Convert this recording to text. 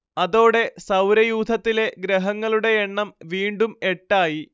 അതോടെ സൗരയൂഥത്തിലെ ഗ്രഹങ്ങളുടെയെണ്ണം വീണ്ടും എട്ടായി